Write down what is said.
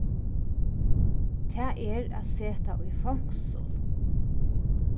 tað er at seta í fongsul